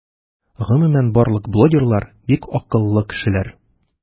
Гомумән барлык блогерлар - бик акыллы кешеләр.